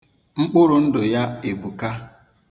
Mkpụrụndụ ya ebuka.